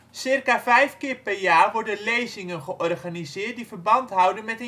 Circa vijf keer per jaar worden lezingen georganiseerd die verband houden met